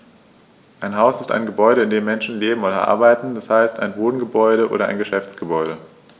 Ein Haus ist ein Gebäude, in dem Menschen leben oder arbeiten, d. h. ein Wohngebäude oder Geschäftsgebäude.